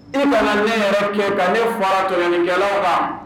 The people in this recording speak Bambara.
I kana ne yɛrɛ kɛ kan ne fɔra tɔnikɛlaw wa